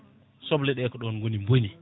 sobleɗe ko ɗon gooni booni